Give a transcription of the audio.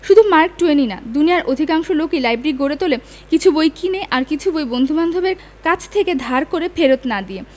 শুধু মার্ক টুয়েনই না দুনিয়ার অধিকাংশ লোকই লাইব্রেরি গড়ে তোলে কিছু বই কিনে আর কিছু বই বন্ধুবান্ধবের কাছ থেকে ধার করে ফেরত্ না দিয়ে